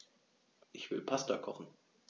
Ich will Pasta kochen.